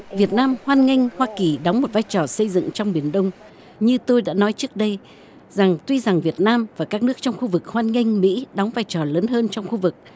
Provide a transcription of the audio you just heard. việt nam hoan nghênh hoa kỳ đóng một vai trò xây dựng trong biển đông như tôi đã nói trước đây rằng tuy rằng việt nam và các nước trong khu vực hoan nghênh mỹ đóng vai trò lớn hơn trong khu vực